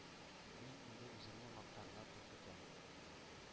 Мин инде үземне мактарлар дип көтәм,